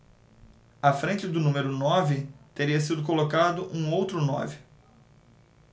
à frente do número nove teria sido colocado um outro nove